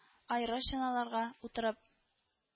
Аэрочаналарга утырып